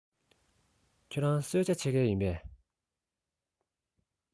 ཁྱོད རང གསོལ ཇ མཆོད ཀས ཡིན པས